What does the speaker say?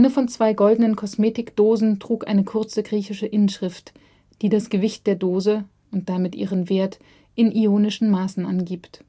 von zwei goldenen Kosmetikdosen trug eine kurze griechische Inschrift, die das Gewicht der Dose (und damit ihren Wert) in ionischen Maßen angibt